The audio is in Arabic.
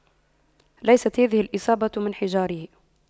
ليست هذه الإصابة من حجارة